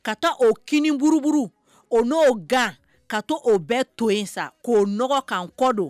Ka taa o kini buruburu, o n'o gan, ka taa o bɛɛ to in sa. K'o nɔgɔ kan n kɔ don.